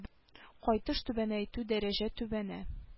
Кайтыш түбәнәйтү дәрәҗә түбәнә